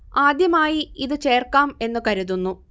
ആദ്യമായി ഇത് ചേർക്കാം എന്നു കരുതുന്നു